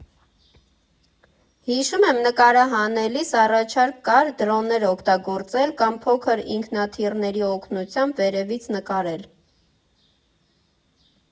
Հիշում եմ, նկարահանելիս առաջարկ կար դրոններ օգտագործել, կամ փոքր ինքնաթիռների օգնությամբ վերևից նկարել։